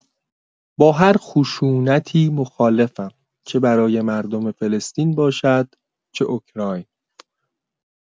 با هر خشونتی مخالفم چه برای مردم فلسطین باشد چه اوکراین.